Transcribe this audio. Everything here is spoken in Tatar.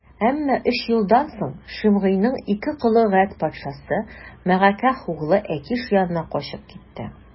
Әмма өч елдан соң Шимгыйның ике колы Гәт патшасы, Мәгакәһ углы Әкиш янына качып китте.